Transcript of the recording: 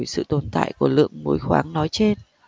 sự tồn tại của lượng muối khoáng nói trên